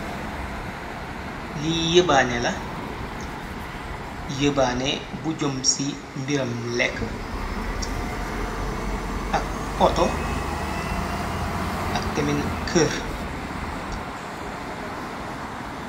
li yëbaane la yebaane bu jom ci mbiram lekk. Ak oto ak temin kër.